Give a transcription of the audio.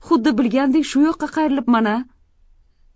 xuddi bilgandek shu yoqqa qayrilibman a